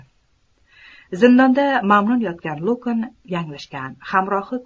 zindonda mamnun yotgan lukn yanglishgan